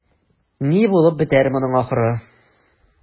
Ни булып бетәр моның ахыры?